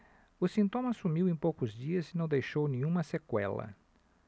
o sintoma sumiu em poucos dias e não deixou nenhuma sequela